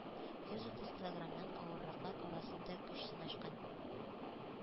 Йөз утыз килограммнан авырраклар арасында көч сынашкан